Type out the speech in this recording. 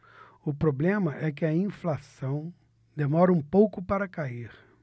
o problema é que a inflação demora um pouco para cair